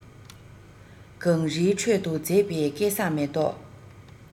གངས རིའི ཁྲོད དུ མཛེས པའི སྐལ བཟང མེ ཏོག